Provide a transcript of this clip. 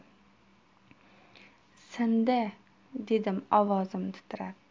sindi dedim ovozim titrab